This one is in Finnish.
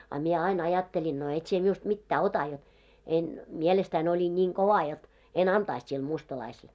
a minä aina ajattelin no et sinä minusta mitään ota jotta en mielestäni olin niin kova jotta en antaisi sille mustalaiselle